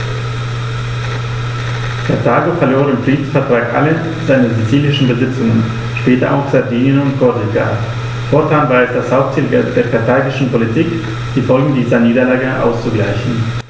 Karthago verlor im Friedensvertrag alle seine sizilischen Besitzungen (später auch Sardinien und Korsika); fortan war es das Hauptziel der karthagischen Politik, die Folgen dieser Niederlage auszugleichen.